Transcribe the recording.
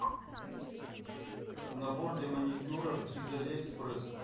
набор для маникюра из алиэкспресс